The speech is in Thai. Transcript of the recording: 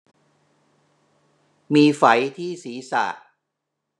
มีไฝที่ศีรษะ